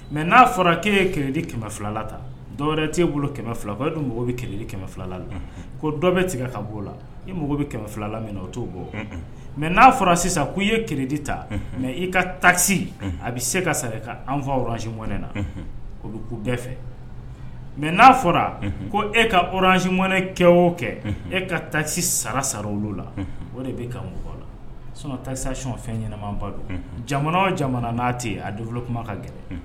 Mɛ n'a fɔra k ee ye kɛlɛdi kɛmɛ filala ta dɔw wɛrɛ t'e bolo kɛmɛ fila dun mɔgɔw bɛ kɛlɛli kɛmɛ filala la ko dɔ bɛ tigɛ ka bɔ o la i mago bɛ filala min o t'o bɔ mɛ n'a fɔra sisan k' i ye kedi ta mɛ i ka ta a bɛ se ka ka anfa ransi mɔnɛ na o ku bɛɛ fɛ mɛ n'a fɔra ko e karansi mɔnɛ kɛ o kɛ e ka ta sara sara o la o de ka mɔgɔw la tasiɔn fɛn ɲɛnamanba don jamana jamana n'a tɛ a donlo kuma ka gɛlɛn